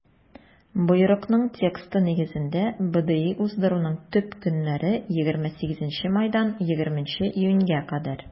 Боерыкның тексты нигезендә, БДИ уздыруның төп көннәре - 28 майдан 20 июньгә кадәр.